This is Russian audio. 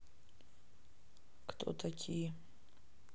кто такие